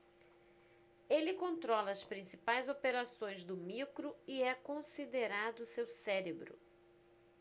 ele controla as principais operações do micro e é considerado seu cérebro